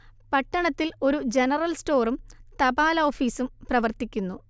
പട്ടണത്തിൽ ഒരു ജനറൽ സ്റ്റോറും തപാലോഫീസും പ്രവർത്തിക്കുന്നു